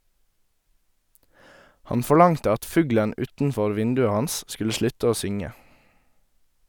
Han forlangte at fuglen utenfor vinduet hans skulle slutte å synge.